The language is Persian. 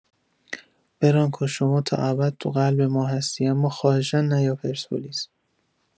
برانکو شما تا ابد تو قلب ما هستی اما خواهشا نیا پرسپولیس